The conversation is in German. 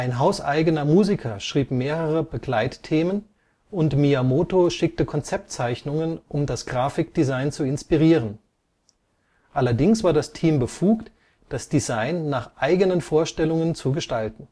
hauseigener Musiker schrieb mehrere Begleitthemen, und Miyamoto schickte Konzeptzeichnungen, um das Grafikdesign zu inspirieren, allerdings war das Team befugt, das Design nach eigenen Vorstellungen zu gestalten